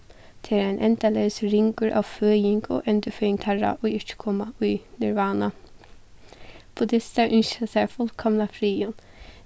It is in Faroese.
tað er ein endaleysur ringur av føðing og endurføðing teirra ið ikki koma í nirvana buddistar ynskja sær fullkomna friðin